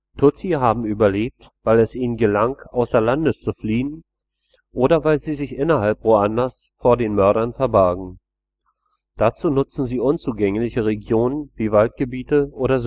Tutsi haben überlebt, weil es ihnen gelang, außer Landes zu fliehen, oder weil sie sich innerhalb Ruandas vor den Mördern verbargen. Dazu nutzen sie unzugängliche Regionen wie Waldgebiete oder